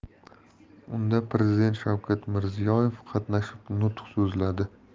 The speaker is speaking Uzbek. unda prezident shavkat mirziyoyev qatnashib nutq so'zladi